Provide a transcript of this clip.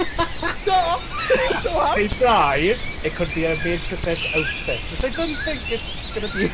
Stop! Stop!... Neu dau, it could be a made-to-fit outfit, which I don't think it's going to be.